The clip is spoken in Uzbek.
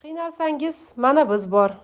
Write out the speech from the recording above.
qiynalsangiz mana biz bor